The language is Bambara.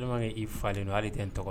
Walima i fa don' de tɛ n tɔgɔ